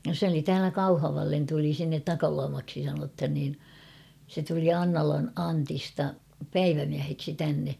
se oli täällä Kauhavalle tuli sinne Takaluomaksi sanotaan niin se tuli Annalan Antista päivämieheksi tänne